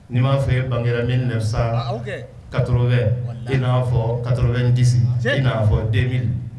I n'a fɔ e bangera 1980, in n'a fɔ 90, i n'a fɔ 2000